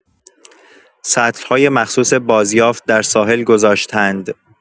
سطل‌های مخصوص بازیافت در ساحل گذاشتند.